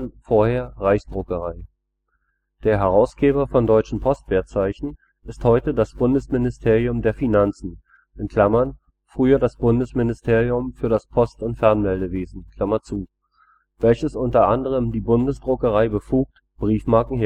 vorher: Reichsdruckerei). Der Herausgeber von deutschen Postwertzeichen ist heute das Bundesministerium der Finanzen (früher das Bundesministerium für das Post - und Fernmeldewesen), welches unter anderem die Bundesdruckerei befugt, Briefmarken